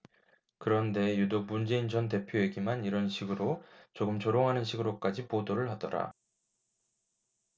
그런데 유독 문재인 전 대표 얘기만 이런 식으로 조금 조롱하는 식으로까지 보도를 하더라